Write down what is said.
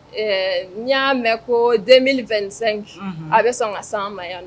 Ɛɛ n'i y'a mɛn ko den2sen a bɛ sɔn ka san ma yan na